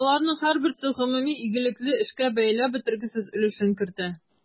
Аларның һәрберсе гомуми игелекле эшкә бәяләп бетергесез өлешен кертә.